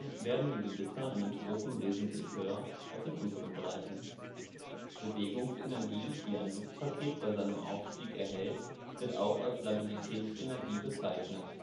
werden die Gewitter in den Tropen wesentlich höher als in unseren Breiten. Die Bewegungsenergie, die ein Luftpaket bei seinem Aufstieg erhält wird auch als Labilitätsenergie bezeichnet